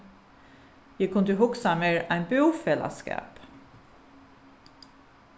eg kundi hugsað mær ein búfelagsskap